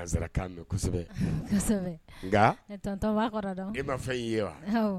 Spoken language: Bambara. Ma fɛ'i ye wa